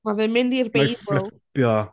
Mae fe'n mynd i'r Beibl... Fflipio.